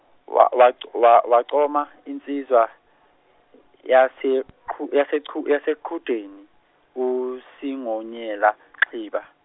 wawa- wawaqomaq insizwa yase Qhu- yase Qhu- yase Qhudeni uSigonyela xiba.